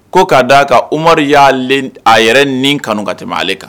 Ko k'a d'a ka Umaru y'aalen t a yɛrɛ nin kanu ka tɛmɛ ale kan